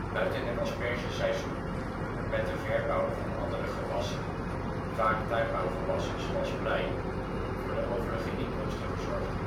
Buiten het aspergeseizoen, wordt met de verbouw van andere gewassen, vaak tuinbouwgewassen zoals prei, voor de overige inkomsten gezorgd